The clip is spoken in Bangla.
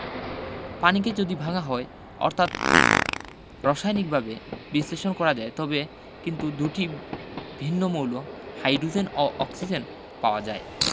পানিকে যদি ভাঙা হয় অর্থাৎ রসায়নিকভাবে বিশ্লেষণ করা যায় তবে কিন্তু দুটি ভিন্ন মৌল হাইডোজেন ও অক্সিজেন পাওয়া যায়